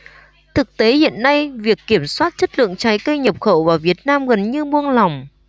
thực tế hiện nay việc kiểm soát chất lượng trái cây nhập khẩu vào việt nam gần như buông lỏng